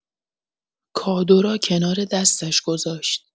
کادو را کنار دستش گذاشت.